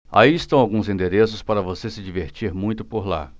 aí estão alguns endereços para você se divertir muito por lá